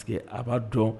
Parce que a b'a dɔn